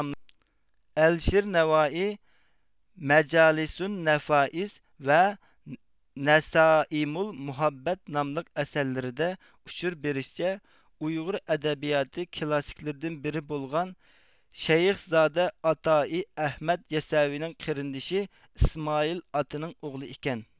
ئەلىشىر نەۋائى مەجالىسۇن نەفائىس ۋە نەسائىمۇل مۇھەببەت ناملىق ئەسەرلىرىدە ئۇچۇر بېرىشىچە ئۇيغۇر ئەدەبىياتى كلاسسىكلىرىدىن بىرى بولغان شەيىخزادە ئاتائى ئەھمەد يەسسەۋىنىڭ قېرىندىشى ئىسمائىل ئاتىنىڭ ئوغلى ئىكەن